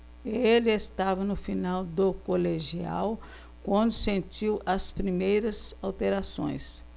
ele estava no final do colegial quando sentiu as primeiras alterações